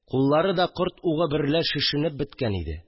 Куллары да корт угы берлә шешенеп беткән иде